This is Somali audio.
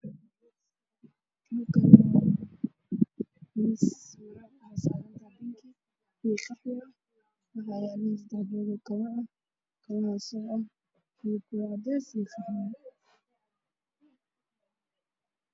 meeshaan waxaa yaala kabo midabkoodu yahay cadaan